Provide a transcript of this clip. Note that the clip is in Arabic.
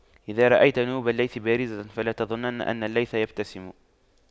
إذا رأيت نيوب الليث بارزة فلا تظنن أن الليث يبتسم